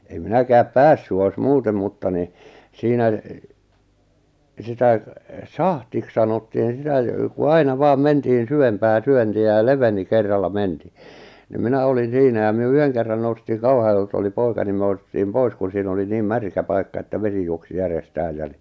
en minäkään päässyt olisi muuten mutta niin siinä sitä sahdiksi sanottiin sitä ja kun aina vain mentiin syvempää syöntiä ja leveni kerralla mentiin niin minä olin siinä ja me yhden kerran noustiin Kauhajoelta oli poika niin me noustiin pois kun siinä oli niin märkä paikka että vesi juoksi järjestään - niin